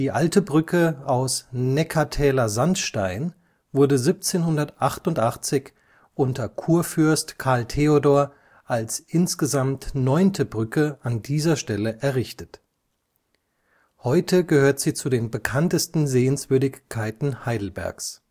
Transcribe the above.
Alte Brücke aus Neckartäler Sandstein wurde 1788 unter Kurfürst Karl Theodor als insgesamt neunte Brücke an dieser Stelle errichtet. Heute gehört sie zu den bekanntesten Sehenswürdigkeiten Heidelbergs